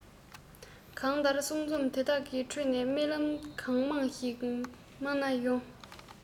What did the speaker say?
གང ལྟར གསུང རྩོམ འདི དག གི ཁྲོད ནས རྨི ལམ གང མང ཞིག རྨས ནས ཡོང